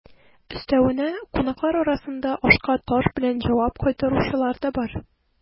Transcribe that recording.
Өстәвенә, кунаклар арасында ашка таш белән җавап кайтаручылар да бар.